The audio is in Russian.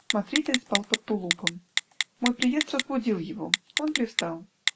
Смотритель спал под тулупом; мой приезд разбудил его; он привстал.